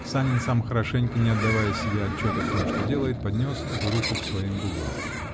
Санин, сам хорошенько не отдавая себе отчета в том, что делает, поднес эту руку к своим губам.